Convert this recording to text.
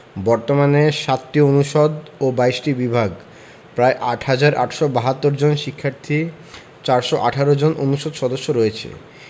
বর্তমানে এর ৭টি অনুষদ ও ২২টি বিভাগ প্রায় ৮ হাজার ৮৭২ জন শিক্ষার্থী ৪১৮ জন অনুষদ সদস্য রয়েছে